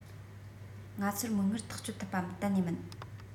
ང ཚོར མིག སྔར ཐག གཅོད ཐུབ པ གཏན ནས མིན